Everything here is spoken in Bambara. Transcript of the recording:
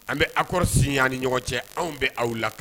An bɛ accord signé a ni ɲɔgɔn cɛ, anw bɛ aw laka